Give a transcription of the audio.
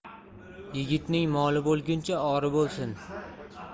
yigitning moli bo'lguncha ori bo'lsin